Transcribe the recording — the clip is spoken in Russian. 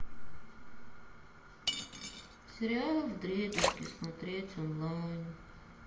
сериал вдребезги смотреть онлайн